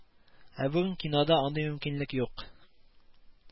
Ә бүген кинода андый мөмкинлек юк